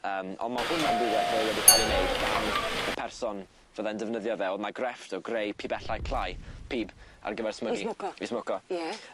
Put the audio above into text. Yym on' ma' hwnna'n rwbeth fydde wedi ca'l ei neud gan y person fydde'n defnyddio fe o'dd 'na grefft o greu pibellau clai pib ar gyfer smygu.I smoco. I smoco. Ie.